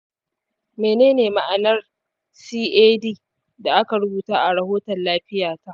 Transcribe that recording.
menene ma'anar cad da aka rubuta a rahoton lafiyata?